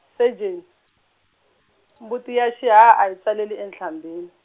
secheni mbuti ya xihaha a yi tswaleli entlhambini.